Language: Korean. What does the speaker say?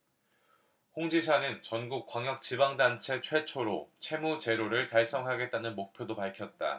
홍 지사는 전국 광역지방자치단체 최초로 채무 제로를 달성하겠다는 목표도 밝혔다